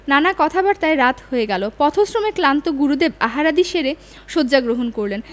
নানা কথাবার্তায় রাত হয়ে গেল পথশ্রমে ক্লান্ত গুরুদেব আহারাদি সেরে শয্যা গ্রহণ করলেন